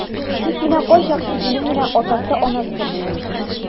Тик менә кайчак сүзенең генә атасы-анасы булмый.